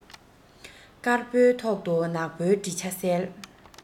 དཀར པོའི ཐོག ཏུ ནག པོའི བྲིས ཆ གསལ